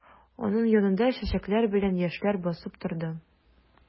Аның янында чәчәкләр белән яшьләр басып торды.